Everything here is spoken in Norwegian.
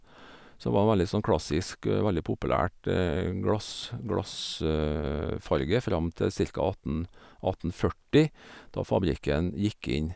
Som var en veldig sånn klassisk, veldig populært glass glassfarge fram til cirka atten atten førti, da fabrikken gikk inn.